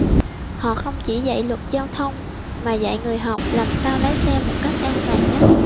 họ không chỉ dạy luật giao thông mà dạy người học làm sao lái xe một cách an toàn nhất